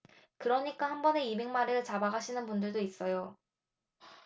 그러니까 한번에 이백 마리씩 잡아가시는 분들도 있어요